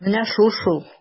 Менә шул-шул!